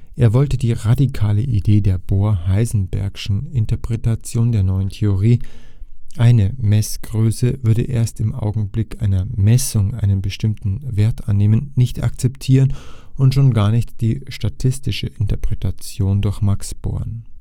Er wollte die radikale Idee der Bohr-Heisenbergschen Interpretation der neuen Theorie, eine Messgröße würde erst im Augenblick einer Messung einen bestimmten Wert annehmen, nicht akzeptieren und schon gar nicht die statistische Interpretation durch Max Born